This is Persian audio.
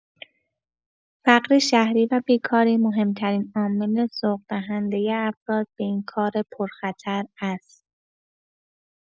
فقر شهری و بیکاری، مهم‌ترین عامل سوق‌دهنده افراد به این کار پرخطر است.